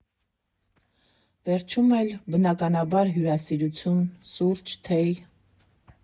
Վերջում էլ, բնականաբար, հյուրասիրություն, սուրճ, թեյ։